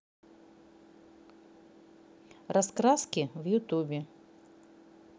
раскраски в ютубе